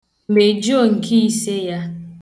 Mejuo nke ise ya.